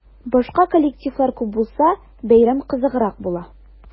Башка коллективлар күп булса, бәйрәм кызыграк була.